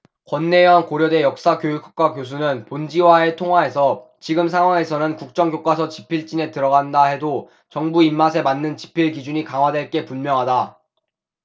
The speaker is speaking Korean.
권내현 고려대 역사교육학과 교수는 본지와의 통화에서 지금 상황에서는 국정교과서 집필진에 들어간다 해도 정부 입맛에 맞는 집필 기준이 강화될 게 분명하다